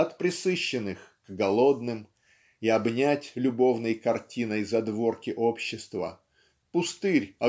от пресыщенных к голодным и обнять любовной картиной задворки общества пустырь